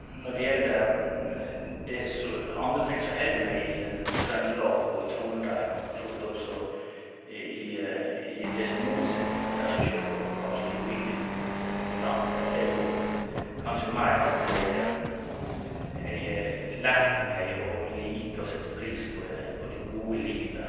Når det gjelder det som andre ting som holder meg i Trøndelag og i Trondheim og forsåvidt også i i det som er motsetninga til der som jeg sjøl kommer fra, altså i byen i motsetning til landet, er jo kanskje mer at jeg jeg har lært meg å å like og sette pris på det på det gode livet.